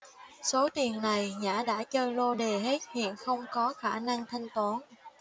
số tiền này nhã đã chơi lô đề hết hiện không có khả năng thanh toán